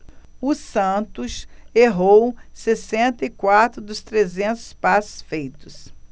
o santos errou sessenta e quatro dos trezentos passes feitos